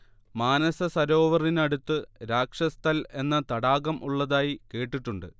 മാനസസരോവറിന് അടുത്ത് രാക്ഷസ്ഥൽ എന്ന തടാകം ഉളളതായി കേട്ടിട്ടുണ്ട്